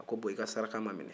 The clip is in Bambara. ko bɔn i ka saraka ma minɛ